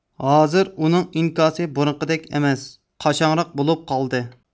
ھازىر ئۇنىڭ ئىنكاسى بۇرۇنقىدەك ئەمەس قاشاڭراق بولۇپ قالدى